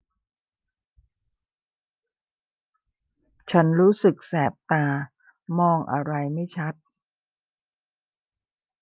ฉันรู้สึกแสบตามองอะไรไม่ชัด